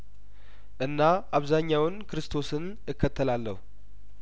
እና አብዛኛውን ክርስቶስን እከተላለሁ